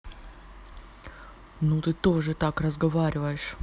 ну тоже так разговариваешь